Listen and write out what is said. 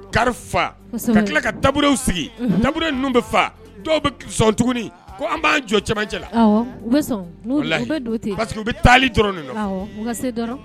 Kari fa. Ka kila ka tabouret sigi . Tabouret nunun bi fa. Dɔw bi sɔn tuguni ko an ban jɔ cɛmancɛla . Walahi parceque y bi taali dɔrɔn de nɔfɛ.